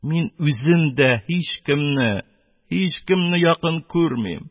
Мин үзем дә һичкемне, һичкемне якын күрмим,